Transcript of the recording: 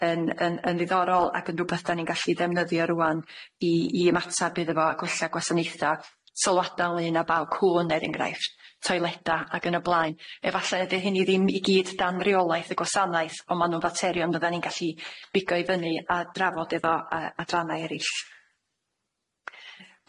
yn yn yn ddiddorol ag yn rwbeth 'dan ni'n gallu ddefnyddio rŵan i i ymatab iddy fo a gwella gwasaneutha sylwada ynglyn â baw cŵn er enghraifft toileda ag yn y blaun efalle ydi hynny ddim i gyd 'dan reolaeth y gwasanaeth on' ma' nw'n faterion fyddan ni'n gallu bigo i fyny a drafod efo yy adrannau erill.